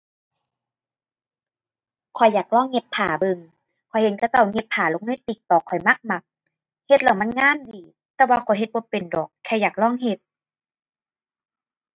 ข้อยอยากลองเฮ็ดผ้าเบิ่ง ข้อยเห็นเขาเจ้าเฮ็ดผ้าแล้วใน TikTok ข้อยมักมัก เฮ็ดแล้วมันงามดี แต่ว่าข้อยเฮ็ดบ่เป็นดอกแค่อยากลองเฮ็ด